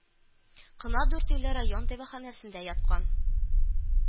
Кына дүртөйле район дәваханәсендә яткан